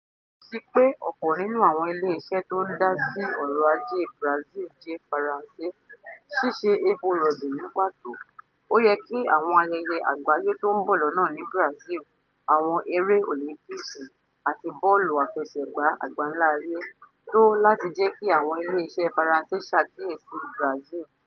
Yàtọ̀ sí pé ọ̀pọ̀ nínú àwọn ileeṣẹ tó ń dásí ọrọ̀ ajé Brazil jẹ́ Faransé (Ṣíse epo rọ̀bì ní pàtó),ó yẹ kí àwọn ayẹyẹ àgbáyé tó ń bọ̀ lọ́nà ní Brazil (Àwọn eré Òlímpìkì àti Bọ́ọ̀lù Àfẹsẹ̀gbá Àgbánlá ayé) tó láti jẹ́ kí àwọn iléeṣẹ́ Faransé ṣàkíyèsí Brazil.